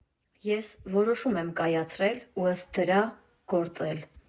Ես որոշում չեմ կայացրել ու ըստ դրա գործել.